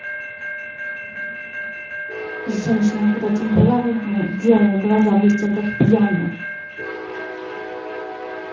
женщина когда темпераментная дело глаза блестят как пьяная